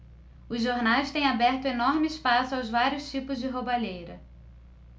os jornais têm aberto enorme espaço aos vários tipos de roubalheira